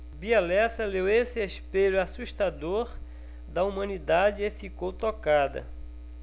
bia lessa leu esse espelho assustador da humanidade e ficou tocada